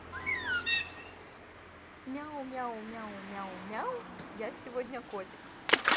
мяу мяу мяу мяу мяу я сегодня котик